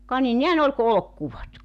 ka niin nehän oli kuin olkikuvot